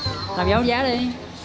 làm dấu thánh giá đi